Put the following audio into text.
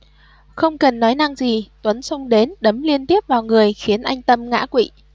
không cần nói năng gì tuấn xông đến đâm liên tiếp vào người khiến anh tâm ngã quỵ